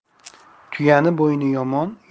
tuyaning bo'yni yomon